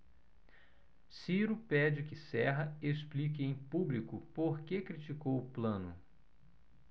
ciro pede que serra explique em público por que criticou plano